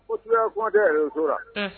Kotura kuma tɛ yɛrɛ ko la